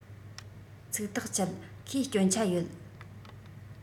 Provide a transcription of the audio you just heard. ཚིག ཐག བཅད ཁོས སྐྱོན ཆ ཡོད